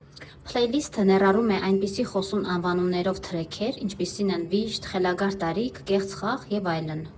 Փլեյլիսթը ներառում է այնպիսի խոսուն անվանումներով թրեքեր, ինչպիսիք են՝ «Վիշտ», «Խելագար տարիք», «Կեղծ խաղ» և այլն։